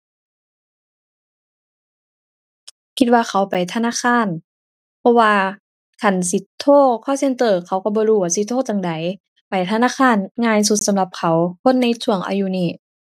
คิดว่าเขาไปธนาคาร เพราะว่าคันสิโทร call center เขาก็บ่รู้ว่าสิโทรจั่งใด ไปธนาคารง่ายสุดสำหรับเขา คนในช่วงอายุนี้